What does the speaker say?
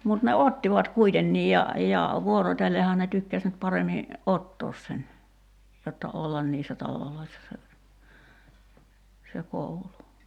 mutta ne ottivat kuitenkin ja ja vuorotellenhan ne tykkäsi nyt paremmin ottaa sen jotta olla niissä taloissa se se koulu